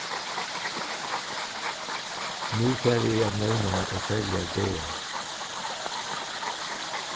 nú fari eg at nevna nakrar serligar dagar